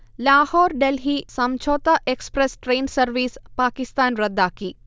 Lahore-Delhi Samjhauta express train service Pakistan റദ്ദാക്കി